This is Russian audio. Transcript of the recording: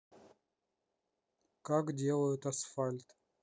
как делают асфальт